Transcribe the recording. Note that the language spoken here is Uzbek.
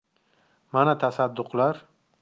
mana tasadduqlar